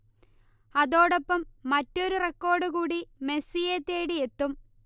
അതോടൊപ്പം മറ്റൊരു റെക്കോഡ് കൂടി മെസ്സിയെ തേടിയെത്തും